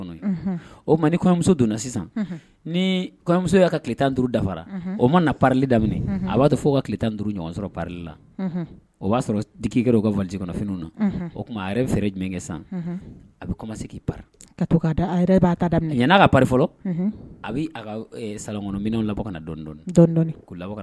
Nimusoa tan duuru dafara o ma na daminɛ a b'a to fo ka ki tan duuru ɲɔgɔn sɔrɔla o b'a sɔrɔki ka vtikɔnɔfinw na o tuma a yɛrɛ n fɛ jumɛn kɛ san a bɛ se pa ka to k'a da a b'a da yan n'a ka fɔlɔ a bɛ a ka sa kɔnɔnmin labɔ ka na dɔɔnindɔ dɔɔnindɔ